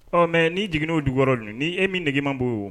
Ɔ mɛ ni jigin' o dugu wɔɔrɔ don ni e min dge man'